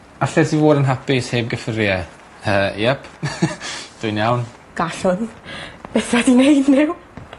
Allet ti fod yn hapus heb gyffurie. Yy iep dwi'n iawn. Gallwn byth wedi neud n'w.